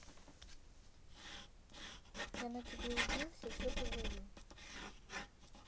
я на тебе убился все позови